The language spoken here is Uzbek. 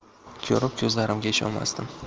ko'rib ko'zlarimga ishonmasdim